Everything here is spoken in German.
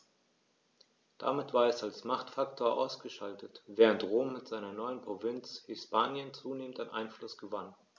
Damit war es als Machtfaktor ausgeschaltet, während Rom mit seiner neuen Provinz Hispanien zunehmend an Einfluss gewann.